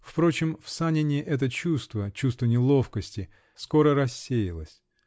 Впрочем, в Санине это чувство -- чувство неловкости -- скоро рассеялось .